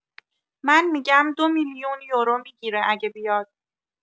من می‌گم ۲ میلیون یورو می‌گیره اگه بیاد